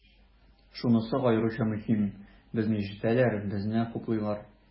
Шунысы аеруча мөһим, безне ишетәләр, безне хуплыйлар.